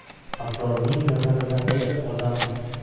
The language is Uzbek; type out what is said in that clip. asrornig nazarida usha